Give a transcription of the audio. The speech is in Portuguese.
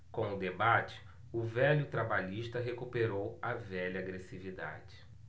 com o debate o velho trabalhista recuperou a velha agressividade